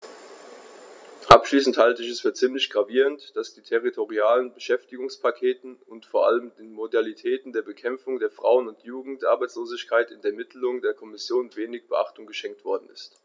Abschließend halte ich es für ziemlich gravierend, dass den territorialen Beschäftigungspakten und vor allem den Modalitäten zur Bekämpfung der Frauen- und Jugendarbeitslosigkeit in der Mitteilung der Kommission wenig Beachtung geschenkt worden ist.